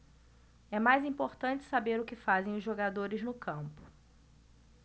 é mais importante saber o que fazem os jogadores no campo